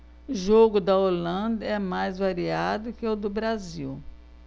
jogo da holanda é mais variado que o do brasil